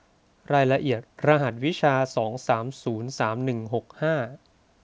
รายละเอียดรหัสวิชาสองสามศูนย์สามหนึ่งหกห้า